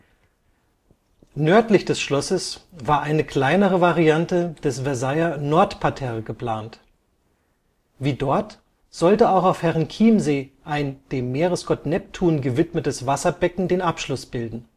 Nördlich des Schlosses war eine kleinere Variante des Versailler Nordparterres geplant. Wie dort sollte auch auf Herrenchiemsee ein dem Meeresgott Neptun gewidmetes Wasserbecken den Abschluss bilden